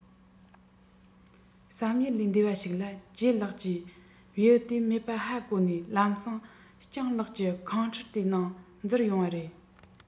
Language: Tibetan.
བསམ ཡུལ ལས འདས པ ཞིག ལ ལྗད ལགས ཀྱིས བེའུ དེ མེད པ ཧ གོ ནས ལམ སེང སྤྱང ལགས ཀྱི ཁང ཧྲུལ དེའི ནང འཛུལ ཡོང བ རེད